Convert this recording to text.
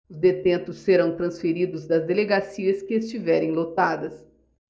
os detentos serão transferidos das delegacias que estiverem lotadas